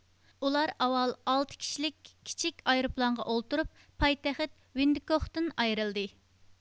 ئۇلار ئاۋۋال ئالتە كىشىلىك كىچىك ئايروپىلانغا ئولتۇرۇپ پايتەخت ۋىندخوكتىن ئايرىلدى